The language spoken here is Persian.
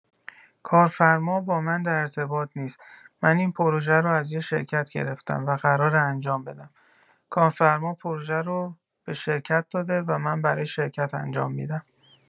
کارفرما با من در ارتباط نیست من این پروژه رو از یه شرکت گرفتم و قراره انجام بدم کافرما پروژه رو به شرکت داده و من برای شرکت انجام می‌دم.